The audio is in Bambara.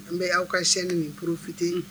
N be aw ka chaine nin profiter